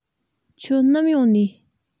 ཁྱོད ནམ ཡོང ནིས